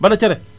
Bada cere